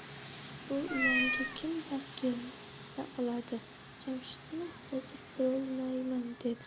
bu ilonga kim bas kela oladi jamshidmi hozir borolmayman dedi